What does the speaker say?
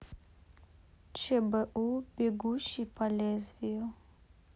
чбу бегущий по лезвию